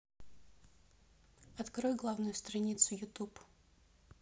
открой главную страницу ютуб